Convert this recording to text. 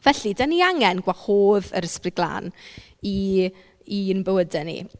Felly dan ni angen gwahodd yr ysbryd glân i i'n bywydau ni.